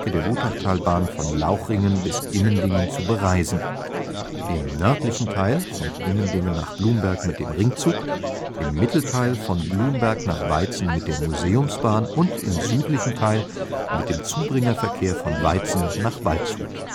der Wutachtalbahn von Lauchringen bis Immendingen zu bereisen: im nördlichen Teil von Immendingen nach Blumberg mit dem Ringzug, im Mittelteil von Blumberg nach Weizen mit der Museumsbahn und im südlichen Teil mit dem Zubringerverkehr von Weizen nach Waldshut